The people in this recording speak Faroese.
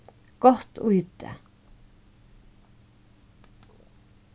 gott í teg